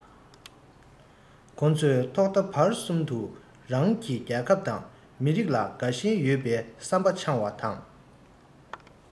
ཁོ ཚོས ཐོག མཐའ བར གསུམ དུ རང གི རྒྱལ ཁབ དང མི རིགས ལ དགའ ཞེན ཡོད པའི བསམ པ འཆང བ དང